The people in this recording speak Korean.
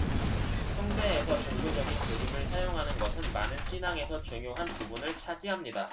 숭배에서 종교적인 그림을 사용하는 것은 많은 신앙에서 중요한 부분을 차지합니다